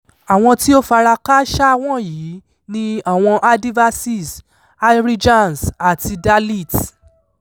Àwọn tí ó f'ara kááṣá wọ̀nyí ni àwọn Adivasis, Harijans àti Dalits.